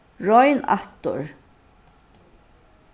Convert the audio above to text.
royn aftur